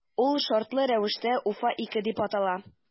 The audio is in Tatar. Ул шартлы рәвештә “Уфа- 2” дип атала.